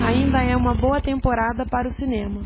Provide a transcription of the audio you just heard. ainda é uma boa temporada para o cinema